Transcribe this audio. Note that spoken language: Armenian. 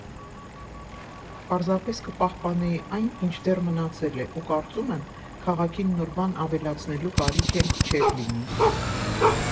Պարզապես կպահպանեի այն, ինչ դեռ մնացել է ու կարծում եմ՝ քաղաքին նոր բան ավելացնելու կարիք էլ չէր լինի։